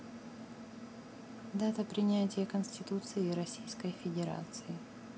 дата принятия конституции российской федерации